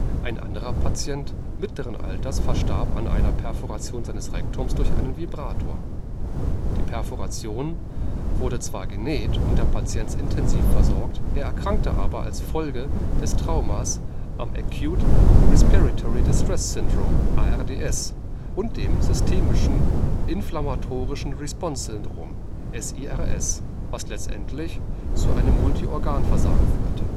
Ein anderer Patient mittleren Alters verstarb an einer Perforation seines Rektums durch einen Vibrator. Die Perforation wurde zwar genäht und der Patient intensiv versorgt, er erkrankte aber als Folge des Traumas am Acute Respiratory Distress Syndrome (ARDS) und dem systemischen inflammatorischen Response-Syndrom (SIRS), was letztlich zu einem Multiorganversagen führte